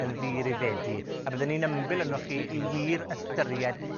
yn ddi rifedu, a bydden i'n ymbil arnoch chi i wir ystyried